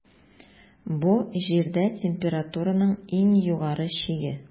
Бу - Җирдә температураның иң югары чиге.